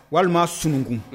Walima sununkun